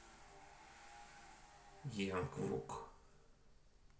young thug